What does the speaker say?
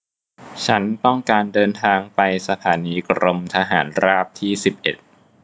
ฉันต้องการเดินทางไปสถานีกรมทหารราบที่สิบเอ็ด